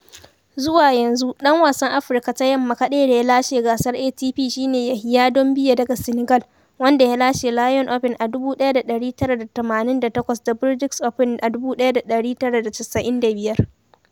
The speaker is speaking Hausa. Zuwa yanzu, ɗan wasan Afrika ta Yamma kaɗai da ya lashe gasar ATP shine Yahiya Doumbia daga Senegal, wanda ya lashe Lyon Open a 1988 da Bordeaux Open a 1995.